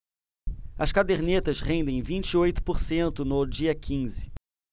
as cadernetas rendem vinte e oito por cento no dia quinze